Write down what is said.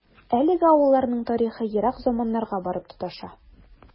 Әлеге авылларның тарихы ерак заманнарга барып тоташа.